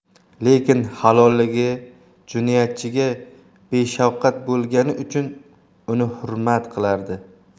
lekin halolligi jinoyatchiga beshafqat bo'lgani uchun uni hurmat qilardi